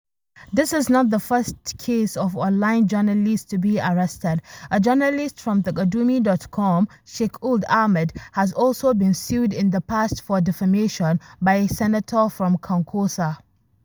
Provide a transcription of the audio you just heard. This is not the first case of online journalist to be arrested, a journalist from Taqadoumy.com, Cheikh Ould Ahmed, has also been sued in the past for defamation by Senator from Kankossa.